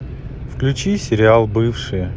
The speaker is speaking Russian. включи сериал бывшие